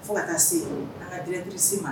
Fo ka taa se an ka gkisi ma